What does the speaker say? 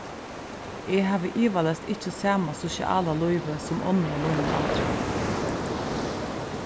eg havi ivaleyst ikki sama sosiala lívið sum onnur á mínum aldri